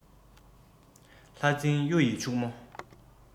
ལྷ རྫིང གཡུ ཡི ཕྱུག མོ